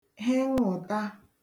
henṅụ̀ta